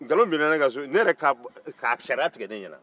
nkalon binna ne ka so ne yɛrɛ ka k'a sariya tigɛ ne ɲɛna